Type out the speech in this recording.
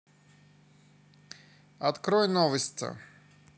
открой новости